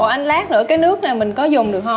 ủa anh lát nữa cái nước này mình có dùng được hông